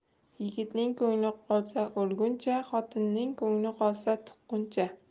yigitning ko'ngli qolsa o'lguncha xotinning ko'ngli qolsa tuqquncha